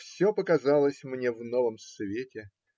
все показалось мне в новом свете.